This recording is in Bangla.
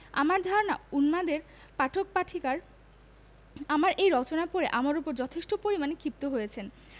আমার ধারণা উন্মাদের পাঠক পাঠিকার আমার এই রচনা পড়ে আমার উপর যথেষ্ট পরিমাণে ক্ষিপ্ত হয়েছেন